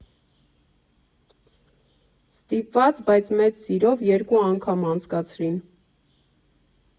Ստիպված, բայց մեծ սիրով երկու անգամ անցկացրին։